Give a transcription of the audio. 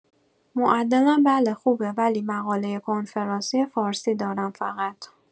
معدلم بله خوبه ولی مقاله کنفرانسی فارسی دارم فقط